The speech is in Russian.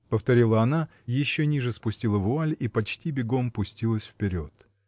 -- повторила она, еще ниже опустила вуаль и почти бегом пустилась вперед.